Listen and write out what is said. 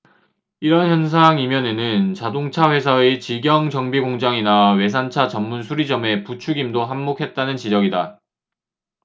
이런 현상 이면에는 자동차회사의 직영 정비공장이나 외산차 전문수리점의 부추김도 한몫했다는 지적이다